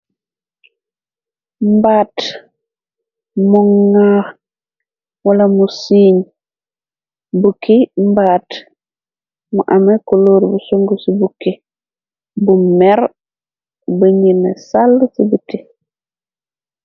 Mbaat munga wala mu siiñ bukki mbaat. Mu ame koloor bu sung ci bukki. Bu mer ba ngirna sall ci biti.